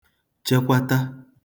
chekwata